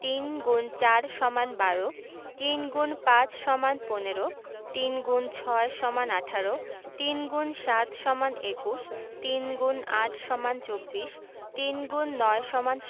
৩ X ৪ = ১২ ৩ X ৫ = ১৫ ৩ x ৬ = ১৮ ৩ × ৭ = ২১ ৩ X ৮ = ২৪ ৩ X ৯ = ২৭ ৩ ×১০